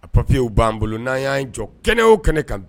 A papiyew b'an bolo n'a y' jɔ kɛnɛ o kɛnɛ